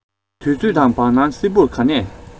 དུས ཚོད དང བར སྣང སིལ བུར གས ནས